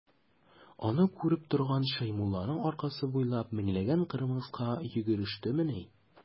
Аны күреп торган Шәймулланың аркасы буйлап меңләгән кырмыска йөгерештемени.